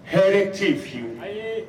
Hɛrɛ tɛ yen f'iyewu, ayii!